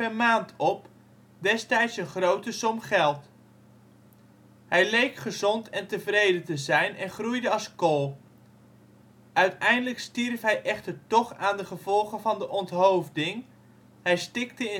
maand op - destijds een grote som geld. Hij leek gezond en tevreden te zijn en groeide als kool. Uiteindelijk stierf hij echter toch aan de gevolgen van de onthoofding, hij stikte